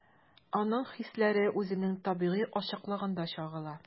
Аның хисләре үзенең табигый ачыклыгында чагыла.